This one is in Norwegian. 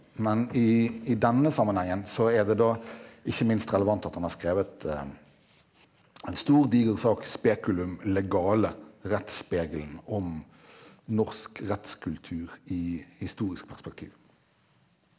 men i i denne sammenhengen så er det da ikke minst relevant at han har skrevet en stor diger sak Speculum Legale rettsspegelen om norsk rettskultur i historisk perspektiv.